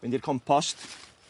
fynd i'r compost